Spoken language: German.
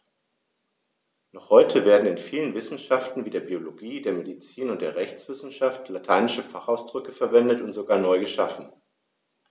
Noch heute werden in vielen Wissenschaften wie der Biologie, der Medizin und der Rechtswissenschaft lateinische Fachausdrücke verwendet und sogar neu geschaffen.